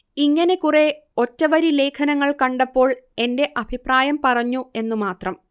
ഇങ്ങനെ കുറെ ഒറ്റവരി ലേഖനങ്ങൾ കണ്ടപ്പോൾ എന്റെ അഭിപ്രായം പറഞ്ഞു എന്നു മാത്രം